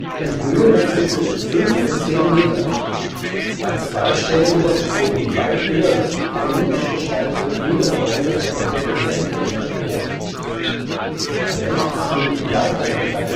Die Höhe wechselt zwischen 5 und 10 m; an zwei Stellen jedoch zogen weit höhere, konisch gestaltete Höhlenräume von der Decke senkrecht empor. Rechts münden weitere drei